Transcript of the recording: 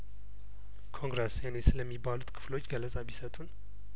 ኮንግሬስ ሴኔት ስለሚ ባሉት ክፍሎች ገለጻ ቢሰጡን